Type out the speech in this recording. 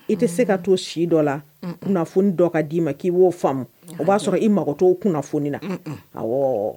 I tɛ se ka to si dɔ la, kunnafoni dɔ ka d'i ma k'i b'o faamu, o b'a sɔrɔ i mago t'o kunnafoni na.